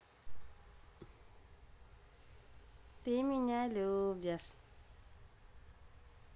ты меня любишь